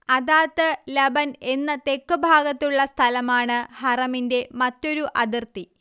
അദാത്ത് ലബൻ എന്ന തെക്ക് ഭാഗത്തുള്ള സ്ഥലമാണ് ഹറമിന്റെ മറ്റൊരു അതിർത്തി